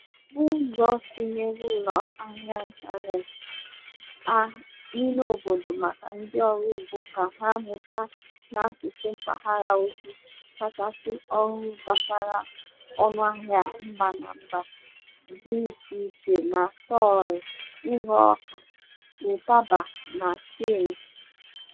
Ebu ụzọ tinye ụlọahịa ịntaneetị a n'imeobodo maka ndị ọrụugbo ka ha mụta n'asụsụ mpaghara ozi kachasị ọhụrụ gbasara ọnụahịa mba na mba dị icheiche na soy, nriọka, ụtaba na shrịmp.